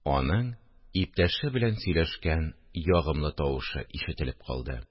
Аның иптәше белән сөйләшкән ягымлы тавышы ишетелеп калды